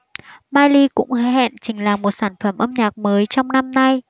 miley cũng hứa hẹn trình làng một sản phẩm âm nhạc mới trong năm nay